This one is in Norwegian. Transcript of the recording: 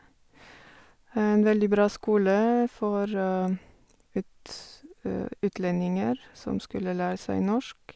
En veldig bra skole for ut utlendinger som skulle lære seg norsk.